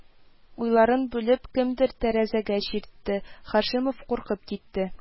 Уйларын бүлеп, кемдер тәрәзәгә чиртте, Һашимов куркып китте